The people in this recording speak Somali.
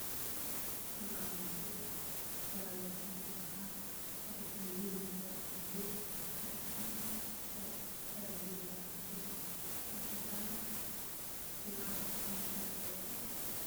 Halkaan waaxafiis wax yaalo kumbiitar cadaan ah